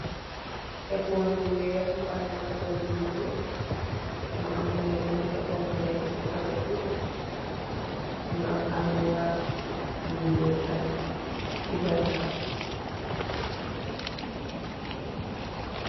Epoos bu weeh, bu andak lal bu nyuul, mu am tamit baneen epoos bu nek chi kote bi, nyu am armuwaal bu nyuul tam, chi ganaaw.